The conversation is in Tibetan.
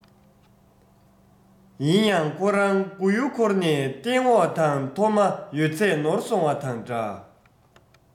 ཡིན ཀྱང ཁོ རང མགོ ཡུ འཁོར ནས སྟེང འོག དང མཐོ དམའ ཡོད ཚད ནོར སོང བ དང འདྲ